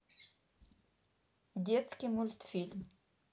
детский мультфильм